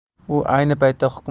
u ayni paytda hukumat